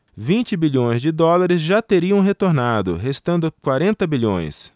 vinte bilhões de dólares já teriam retornado restando quarenta bilhões